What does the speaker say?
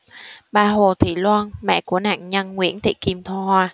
bà hồ thị loan mẹ của nạn nhân nguyễn thị kim hoa